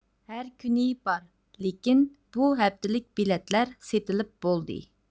ھەركۈنى بار لېكىن بۇ ھەپتىلىك بېلەتلەر سېتىلىپ بولدى